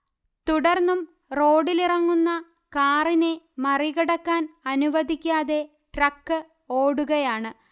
തുടർന്നും റോഡിലിറങ്ങുന്ന കാറിനെ മറികടക്കാൻ അനുവദിക്കാതെ ട്രക്ക് ഓടുകയാണ്